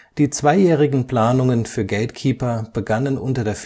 Die zweijährigen Planungen für GateKeeper begannen unter der